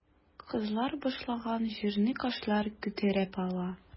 Кызлар башлаган җырны кошлар күтәреп ала.